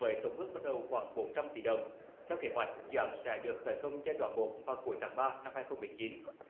với tổng bước ban đầu khoảng bốn trăm tỷ đồng theo kế hoạch dự án sẽ được khởi công giai đoạn một vào cuối tháng ba năm hai không mười chín